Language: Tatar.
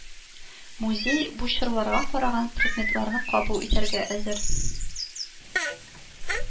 Музей бу чорларга караган предметларны кабул итәргә әзер